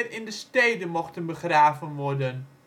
in de steden mochten begraven worden